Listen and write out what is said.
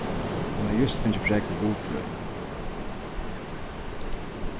hon hevði júst fingið prógv í gudfrøði